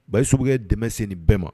Bayusu bɛ ka dɛmɛ se nin bɛɛ ma